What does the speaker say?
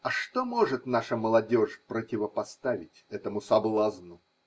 А что может наша молодежь противопоставить этому соблазну?